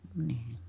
niin